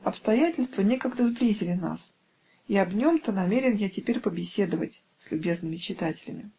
Обстоятельства некогда сблизили нас, и об нем-то намерен я теперь побеседовать с любезными читателями.